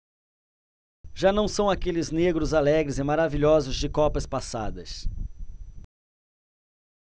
já não são aqueles negros alegres e maravilhosos de copas passadas